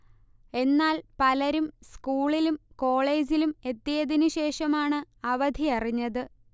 എന്നാൽ പലരും സ്കൂളിലും കോളേജിലും എത്തിയതിന് ശേഷമാണ് അവധിയറിഞ്ഞത്